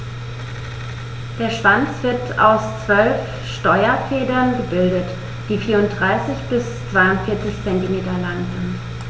Der Schwanz wird aus 12 Steuerfedern gebildet, die 34 bis 42 cm lang sind.